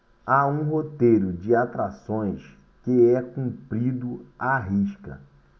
há um roteiro de atrações que é cumprido à risca